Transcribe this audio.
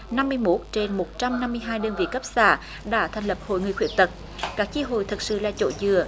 năm mươi mốt trên một trăm năm mươi hai đơn vị cấp xã đã thành lập hội người khuyết tật các chi hội thực sự là chỗ dựa